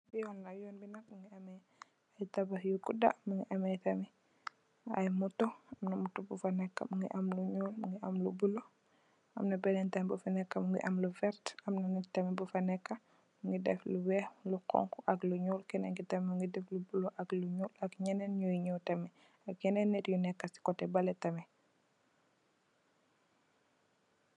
Yoon la yoon bi nak Mungi ameh e taabah yu guda Mungi ameh tamit i motor amna motor bufa neka Mungi am lu nyuul Mungi am lu blue amna benen tam bufa neka Mungi am lu verteh am na nit tam bufa neka Mungi deff lu weih lu hunhu ak lu nyuul keben ki tam Mungi deff lu blue ak lu nyuul ak yenen nyui yow tamit ak yenen nit yu nekeh koteh beleh tamit.